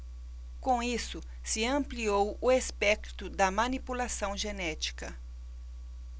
com isso se ampliou o espectro da manipulação genética